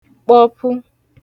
kpọpu